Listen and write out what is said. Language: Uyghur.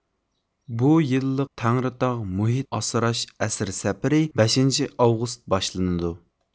بۇ يىللىق تەڭرىتاغ مۇھىت ئاسراش ئەسىر سەپىرى بەشىنچى ئاۋغۇست باشلىنىدۇ